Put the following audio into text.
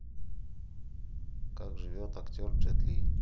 как живет актер джет ли